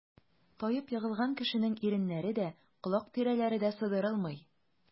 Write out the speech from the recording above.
Таеп егылган кешенең иреннәре дә, колак тирәләре дә сыдырылмый.